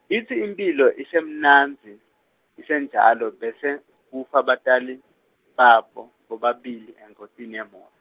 itsi imphilo isemnandzi isenjalo bese kufa batali babo bobabili engotini yemo.